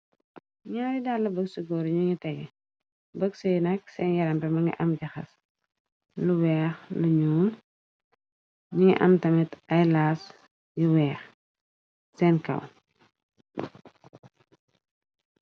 Naari dalla bëg su góoru ñu nga tege bëg su yu nak seen yarampe ma nga am jaxas lu weex luñu ñu nga am tamit ay laas yu weex seen kawn.